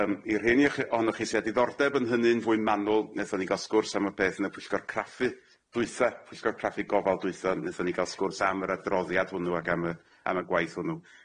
Yym i'r heini i'ch- ohonoch chi sy a diddordeb yn hynny'n fwy manwl nethon ni ga'l sgwrs am y peth yn y pwllgor craffu dwytha, pwllgor craffu gofal dwytha nethon ni ga'l sgwrs am yr adroddiad hwnnw ag am y am y gwaith hwnnw.